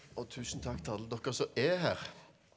og tusen takk til alle dere som er her.